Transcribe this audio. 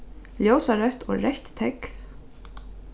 ljósareytt og reytt tógv